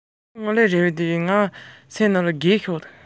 བཀྲ བཟང ལ བལྟ བར སོང